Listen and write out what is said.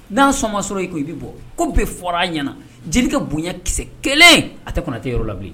N'a sɔn ma sɔrɔ i kun, i bɛ bɔ , ko bɛɛ fɔra a ɲɛna .Jelika bonya kisɛ kelen a tɛ Konatɛ yɔrɔ la bilen.